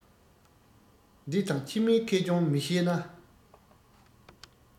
འདི དང ཕྱི མའི ཁེ གྱོང མི ཤེས ན